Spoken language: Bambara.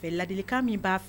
Fɛ ladilikan min b'a fɛ